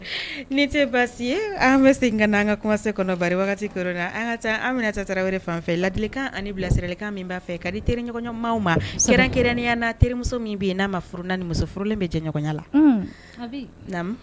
Ni tɛ basi ye an bɛ se nka an ka kumase kɔnɔ wagati la an ka taa an minɛta tarawele fanfɛ ladilikan ani bila siralikan min b'a fɛ ka di terire ɲɔgɔnɲɔgɔnmaw ma siranrɛnkɛrɛnya na terimuso min bɛ yen n'a ma furuuna ni musof furulen bɛ jɛ ɲɔgɔnya la